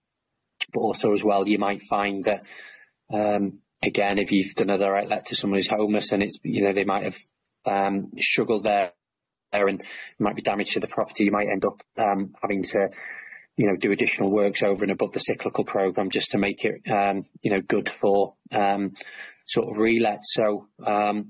But also as well you might find that erm again if you've done other outlet to someone's home, and it's, you know, they might have erm struggled there there, and might be damage to the property. You might end up erm having to you know do additional works over and above the cyclical programme just to make it erm you know good for erm sort of re-let. So erm